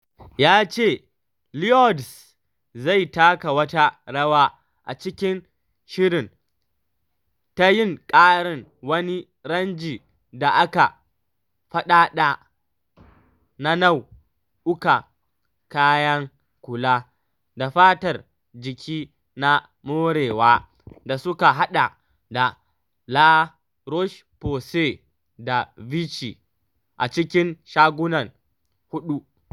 Ya ce Llyods zai taka wata rawa a cikin shirin, ta yin ƙarin wani ranji da aka faɗaɗa na nau’ukan kayan kula da fatar jiki na morewa da suka haɗa da La Roche-Posay da Vichy a cikin shaguna huɗu.